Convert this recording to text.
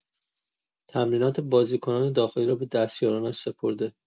تمرینات بازیکنان داخلی را به دستیارانش سپرده